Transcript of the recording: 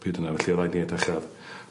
Pryd yna felly o' raid ni edrych ar